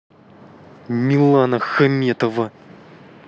милана хаметова